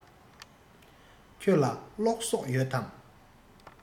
ཁྱོད ལ གློག བསོགས ཡོད དམ